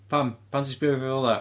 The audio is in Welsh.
Pam? Pam ti'n sbio arna fi fel 'na?